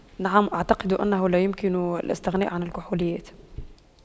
نعم اعتقد انه لا يمكن الاستغناء عن الكحوليات